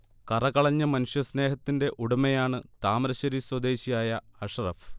കറകളഞ്ഞ മനുഷ്യ സ്നേഹത്തിന്റെ ഉടമയാണ് താമരശേരി സ്വദേശിയായ അഷ്റഫ്